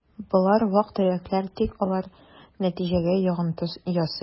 Болар вак-төякләр, тик алар нәтиҗәгә йогынты ясый: